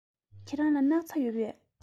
ཁྱེད རང ལ སྣག ཚ ཡོད པས